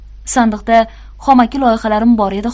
sandiqda xomaki loyihalarim bor edi